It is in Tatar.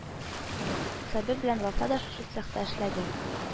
Сабир белән Вафа да шушы цехта эшләде